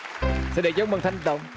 xin được chúc mừng thành tổng